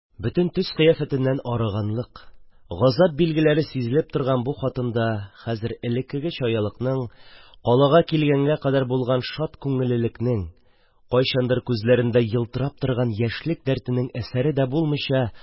Бөтен төс-кыяфәтеннән арыганлык, газап билгеләре сизелеп торган бу хатында хәзер элеккеге чаялыкның, калага килгәнгә кадәр булган шат күңеллелекнең, кайчандыр күзләрендә елтырап торган яшьлек дәртенең әсәре дә булмыйча,